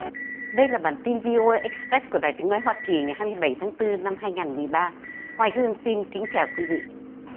đây là bản tin vi ô e ích phét của đài tiếng nói hoa kỳ ngày hai mươi bảy tháng tư năm hai ngàn mười ba hoài hương xin kính chào quý vị